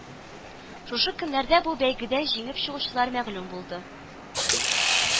Шушы көннәрдә бу бәйгедә җиңеп чыгучылар мәгълүм булды